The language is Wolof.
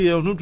voilà